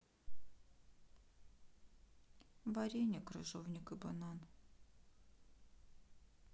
варенье крыжовник и банан